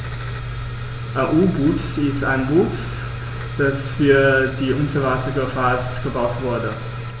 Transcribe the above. Ein U-Boot ist ein Boot, das für die Unterwasserfahrt gebaut wurde.